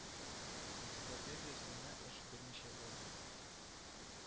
Энциклопедия өстендә эш берничә ел барды